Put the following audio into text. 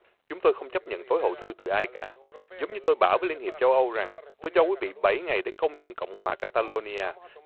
chúng tôi không chấp nhận tối hậu thư từ ai cả giống như tôi bảo với liên hiệp châu âu rằng tôi cho quý vị bảy ngày để công nhận cộng hòa ca ta lô ni a